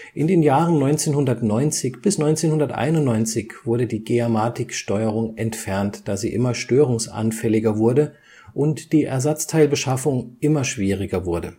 In den Jahren 1990 bis 1991 wurde die Geamatic-Steuerung entfernt, da sie immer störungsanfälliger wurde und die Ersatzteilbeschaffung immer schwieriger wurde